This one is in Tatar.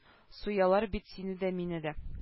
Суялар бит сине дә мине дә